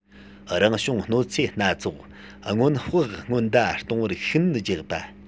རང བྱུང གནོད འཚེ སྣ ཚོགས སྔོན དཔག སྔོན བརྡ གཏོང བར ཤུགས སྣོན རྒྱག པ